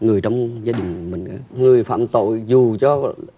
người trong gia đình mình á người phạm tội dù cho